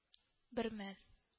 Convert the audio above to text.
Бермәл